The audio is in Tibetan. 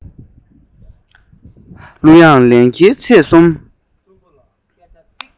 གླུ དབྱངས ལེན གྱིན ཚེས གསུམ